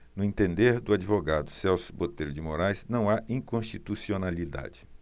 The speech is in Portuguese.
no entender do advogado celso botelho de moraes não há inconstitucionalidade